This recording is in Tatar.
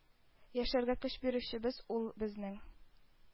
Яшәргә көч бирүчебез ул безнең,